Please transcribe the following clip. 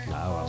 wawaw